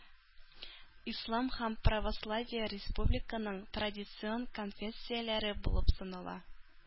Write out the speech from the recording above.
Ислам һәм православие республиканың традицион конфессияләре булып санала.